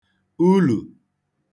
ulù